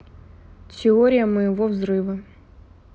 теория моего взрыва